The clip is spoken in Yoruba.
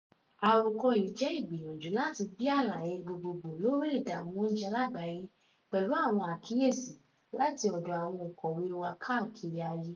Àròkọ yìí jẹ́ ìgbìyànjú láti gbé àlàyé gbogbogbò lórí ìdààmú oúnjẹ lágbàáyé pẹ̀lú àwọn àkíyèsí láti ọ̀dọ̀ àwọn òǹkọ̀wé wa káàkiri àgbáyé.